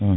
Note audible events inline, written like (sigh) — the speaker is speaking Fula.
(hesitation) (hesitation)